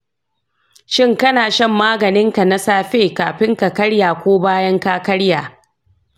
shin kana shan maganinka na safe kafin ka karya ko bayan ka karya?